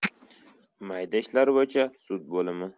mayda ishlar bo'yicha sud bo'limi